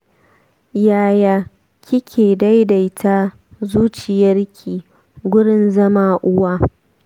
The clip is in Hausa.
yaya kike daidaita zuciyarki gurin zama uwa?